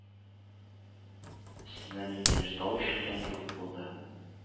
Өстенә ниндидер тау ишелгән кебек булды